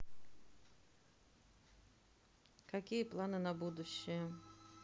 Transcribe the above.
какие планы на будущее